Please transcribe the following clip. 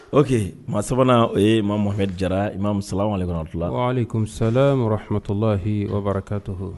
Oke maa sabanan o ye mahame jara i ma masala wale kɔnɔ tila alisalahamatɔla hbarakatɔ